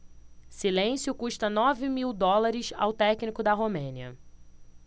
silêncio custa nove mil dólares ao técnico da romênia